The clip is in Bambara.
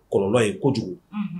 Kololo ye kojugu kojugu. Un.